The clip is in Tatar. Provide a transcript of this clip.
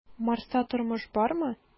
"марста тормыш бармы?"